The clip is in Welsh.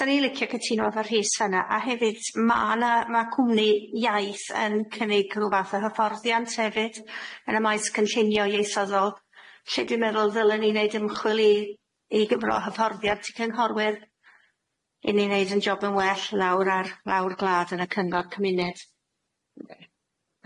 'Sa ni licio cytuno efo Rhys yna a hefyd ma' na ma' cwmni iaith yn cynnig rwbath o hyfforddiant hefyd yn y maes cynllunio ieithyddol lle dwi'n meddwl ddylen ni neud ymchwil i i gyfro hyfforddiant i cynghorwyr i ni neud yn job yn well lawr ar lawr gwlad yn y cyngor cymuned.